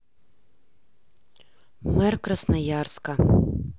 мэр красноярска